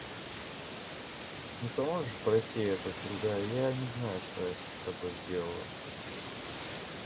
не поможешь пройти этот другая я не знаю что с тобой сделала